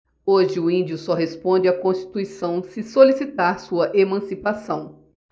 hoje o índio só responde à constituição se solicitar sua emancipação